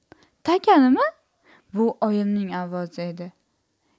takanimi bu oyimning ovozi edi